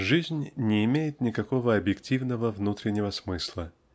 Жизнь не имеет никакого объективного, внутреннего смысла